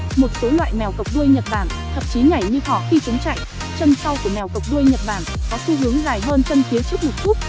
một số loại mèo cộc đuôi nhật bản thậm chí nhảy như thỏ khi chúng chạy chân sau của mèo cộc đuôi nhật bản có xu hướng dài hơn chân phía trước một chút